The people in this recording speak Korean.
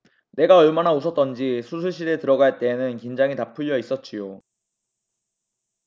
내가 얼마나 웃었던지 수술실에 들어갈 때에는 긴장이 다 풀려 있었지요